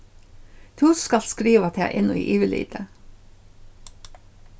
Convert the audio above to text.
tú skalt skriva tað inn í yvirlitið